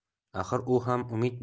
axir u ham umid